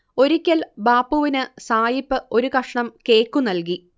ഒരിക്കൽ ബാപ്പുവിന് സായിപ്പ് ഒരു കഷ്ണം കേക്കു നല്കി